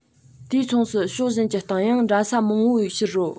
དུས མཚུངས སུ ཕྱོགས གཞན གྱི སྟེང ཡང འདྲ ས མང བའི ཕྱིར རོ